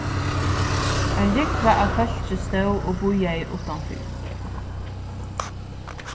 ein rúgva av fólki stóð og bíðaði uttanfyri